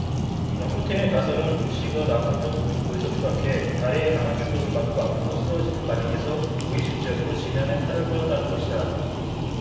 연구팀의 가설은 루시가 나무 등 높은 곳에서 추락해 다리에 강한 충격을 받고 앞으로 쓰러지는 과정에서 무의식적으로 지면에 팔을 뻗었다는 것이다